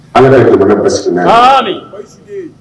Ala yɛrɛ ka basi haa